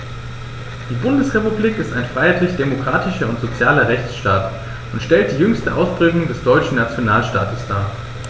Die Bundesrepublik ist ein freiheitlich-demokratischer und sozialer Rechtsstaat und stellt die jüngste Ausprägung des deutschen Nationalstaates dar.